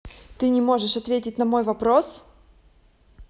ты не можешь ответить на мой вопрос